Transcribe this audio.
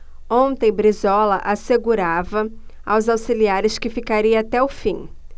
ontem brizola assegurava aos auxiliares que ficaria até o fim